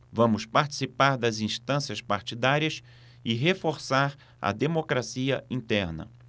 vamos participar das instâncias partidárias e reforçar a democracia interna